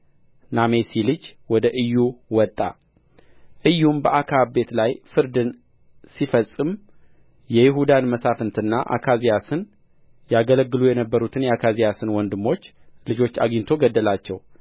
ናሜሲ ልጅ ወደ ኢዩ ወጣ ኢዩም በአክዓብ ቤት ላይ ፍርድን ሲፈጽም የይሁዳን መሳፍንትና አካዝያስን ያገለግሉ የነበሩትን የአካዝያስን ወንድሞች ልጆች አግኝቶ ገደላቸው